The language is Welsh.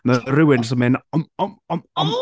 Mae rhywun jyst yn mynd; om om om om.